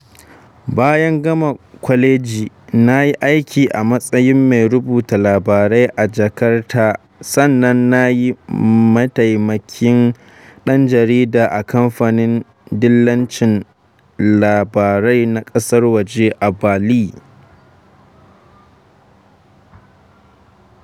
Bayan gama kwaleji, na yi aiki a matsayin mai rubuta labarai a Jakarta, sannan na yi maitaimakin ɗan jarida a kamfanin dillancin labarai na ƙasar waje a Bali.